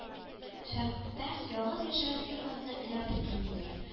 Шәрекътә ялгыз яшәгән ир-атны өнәп бетермиләр